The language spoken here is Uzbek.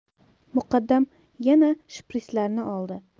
muqaddam yana shprislarni oldi